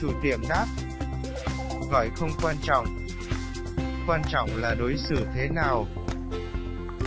chủ tiệm gọi không quan trọng quan trọng là đối xử thế nào